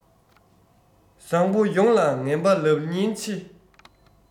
བཟང པོ ཡོངས ལ ངན པ ལབ ཉེན ཆེ